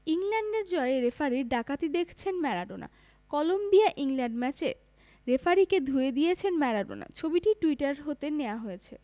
ইংল্যান্ডের জয়ে রেফারির ডাকাতি দেখছেন ম্যারাডোনা কলম্বিয়া ইংল্যান্ড ম্যাচের রেফারিকে ধুয়ে দিয়েছেন ম্যারাডোনা ছবিটি টুইটার হতে নেয়া হয়েছে